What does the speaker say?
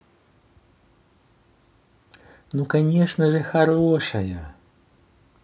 ну конечно же хорошая